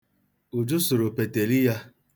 Uju sụrụ peteli ya.